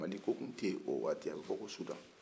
mali ko tun tɛ yen a bi fɔ ko sudan